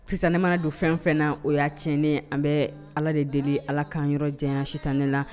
Sisan ne mana don fɛn fɛn na o y'a tiɲɛnen an bɛ ala de deli ala kan yɔrɔ jan sita ne la